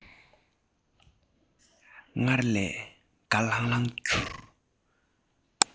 སྔར ལས དགའ ལྷང ལྷང གྱུར